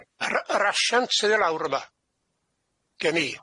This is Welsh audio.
Yr yr asiant sydd i lawr yma gen i.